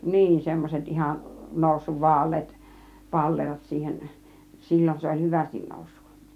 niin semmoiset ihan noussut vaaleat pallerot siihen silloin se oli hyvästi noussut